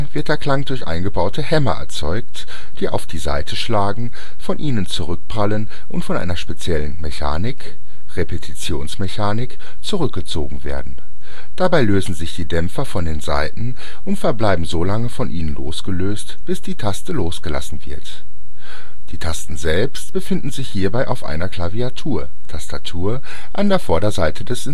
wird der Klang durch eingebaute Hämmer erzeugt, die auf die Saiten schlagen, von ihnen zurückprallen und von einer speziellen Mechanik (Repetitionsmechanik) zurückgezogen werden. Dabei lösen sich die Dämpfer von den Saiten und verbleiben solange von ihnen losgelöst, bis die Taste losgelassen wird. Die Tasten selbst befinden sich hierbei auf einer Klaviatur (Tastatur) an der Vorderseite des